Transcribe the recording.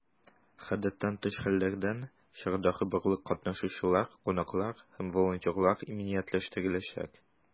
Гадәттән тыш хәлләрдән чарадагы барлык катнашучылар, кунаклар һәм волонтерлар да иминиятләштереләчәк.